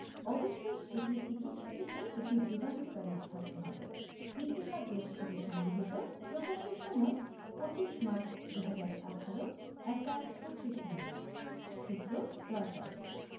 অবশ্যই এটা চিকিত্সাক্ষেত্রে একটি যুগান্তকারী উদ্ভাবন হবে ইত্তেফাক ডেস্ক হতে সংগৃহীত প্রকাশের সময় ২৫মার্চ ২০১৮ ১ টা ৩৬ মিনিট সূত্রঃ রয়টার্স